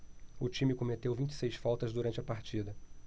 o time cometeu vinte e seis faltas durante a partida